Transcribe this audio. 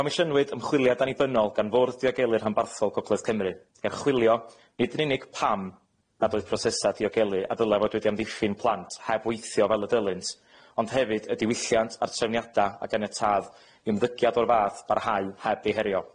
Comisiynwyd ymchwiliad annibynnol gan Fwrdd Diogelu Rhanbarthol Gogledd Cymru, gan chwilio nid yn unig pam nad oedd prosesa diogelu a ddylai fod wedi amddiffyn plant heb weithio fel y dylent, ond hefyd y diwylliant a'r trefniada a ganiataodd i ymddygiad o'r fath barhau heb ei herio.